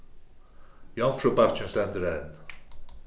jomfrúbakkin stendur enn